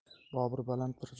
bobur baland bir